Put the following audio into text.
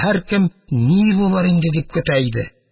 Һәркем «ни булыр инде?..» дип көтә иде.